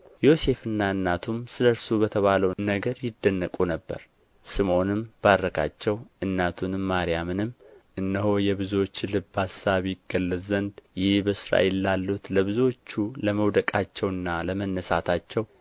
ዮሴፍና እናቱም ስለ እርሱ በተባለው ነገር ይደነቁ ነበር ስምዖንም ባረካቸው እናቱን ማርያምንም እነሆ የብዙዎች ልብ አሳብ ይገለጥ ዘንድ ይህ በእስራኤል ላሉት ለብዙዎቹ ለመውደቃቸውና ለመነሣታቸው